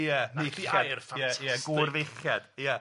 Ie meichad. 'Na thi air ffantastig. Ia gŵr feichiad ia.